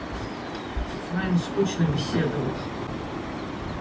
с вами скучно беседовать